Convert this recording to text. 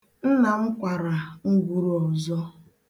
Nna m kwara nguru ọzọ.